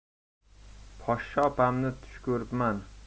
poshsha opamni tush ko'ribman